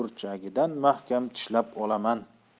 burchagidan mahkam tishlab olaman